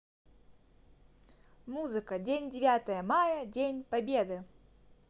музыка день девятое мая день победы